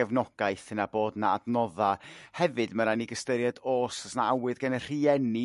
gefnogaeth yna bod 'na adnoddau. Hefyd ma' raid i ni ystyried o's 'na awydd gen y rhieni i